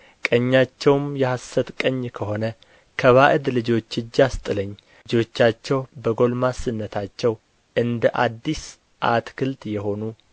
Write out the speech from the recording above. ቀኛቸውም የሐሰት ቀኝ ከሆነ ከባዕድ ልጆች እጅ አስጥለኝ ልጆቻቸው በጕልማስነታቸው እንደ አዲስ አትክልት የሆኑ